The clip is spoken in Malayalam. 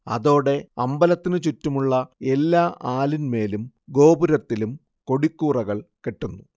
അതോടെ അമ്പലത്തിനു ചുറ്റുമുള്ള എല്ലാ ആലിന്മേലും ഗോപുരത്തിലും കൊടിക്കൂറകൾ കെട്ടുന്നു